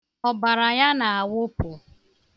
Ọbara ya na-awụpụ.